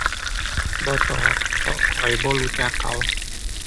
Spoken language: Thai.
บ่ตอบเพราะข้อยบ่รู้จักเขา